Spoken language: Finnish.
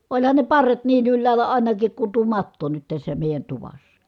olihan ne parret niin ylhäällä ainakin kuin tuo matto nyt tässä meidän tuvassa